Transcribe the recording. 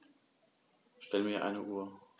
Stell mir eine Uhr.